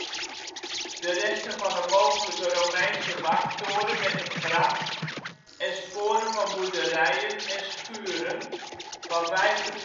50 v.Chr.), de resten van een mogelijke Romeinse wachttoren met een gracht en sporen van boerderijen en schuren (50 v.Chr. - 450 n.Chr.